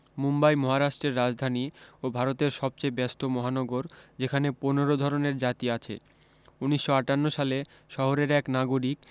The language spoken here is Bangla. মুম্বাই মহারাষ্ট্রের রাজধানী ও ভারতের সবচেয়ে ব্যস্ত মহানগর যেখানে পনের ধরণের জাতি আছে উনিশশ আটান্ন সালে শহরের এক নাগরিক